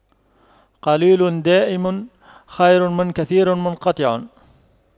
قليل دائم خير من كثير منقطع